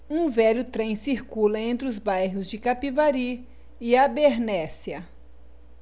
um velho trem circula entre os bairros de capivari e abernéssia